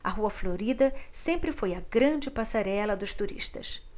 a rua florida sempre foi a grande passarela dos turistas